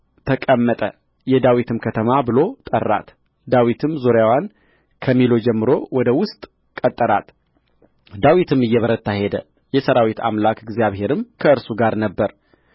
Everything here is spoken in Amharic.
ተቀመጠ የዳዊትም ከተማ ብሎ ጠራት ዳዊትም ዙሪያዋን ከሚሎ ጀምሮ ወደ ውስጥ ቀጠራት ዳዊትም እየበረታ ሄደ የሠራዊት አምላክ እግዚአብሔርም ከእርሱ ጋር ነበረ